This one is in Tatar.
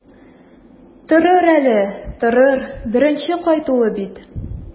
Торыр әле, торыр, беренче кайтуы бит.